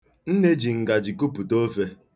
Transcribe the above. Nne ji ngajị kupụta ofe.